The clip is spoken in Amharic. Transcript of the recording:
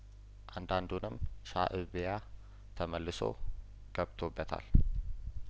አንዳንዱንም ሻእብያ ተመልሶ ገብቶ በታል